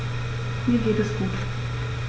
Mir geht es gut.